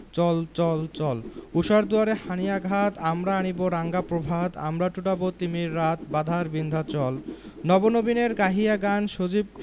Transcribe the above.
চল চল চল ঊষার দুয়ারে হানি' আঘাত আমরা আনিব রাঙা প্রভাত আমরা টুটাব তিমির রাত বাধার বিন্ধ্যাচল নব নবীনের গাহিয়া গান সজীব